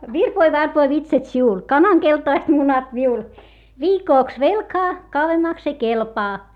virpoi varpoi vitsat sinulle kanan keltaiset munat minulle viikoksi velkaa kauemmaksi ei kelpaa